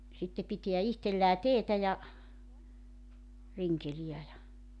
sitten pitää itsellään teetä ja rinkeleitä ja